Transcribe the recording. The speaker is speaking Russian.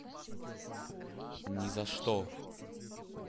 ни за что